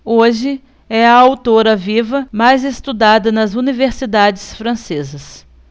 hoje é a autora viva mais estudada nas universidades francesas